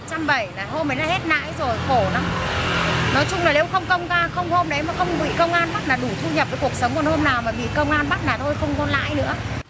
trăm bảy là hôm ấy là hết nãi rồi khổ lắm nói chung là nếu không công ga không hôm đấy mà không bị công an là đủ thu nhập với cuộc sống còn hôm nào mà bị công an bắt là không có lãi nữa